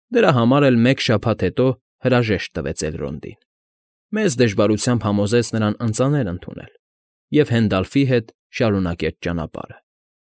Դրա համար էլ մեկ շաբաթ հետո հրաժեշտ տվեց Էլրոնդին, մեծ դժվարությամբ համոզեց նրան ընծաներ ընդունել և Հենդալֆի հետ շարունակեց ճանապարհը։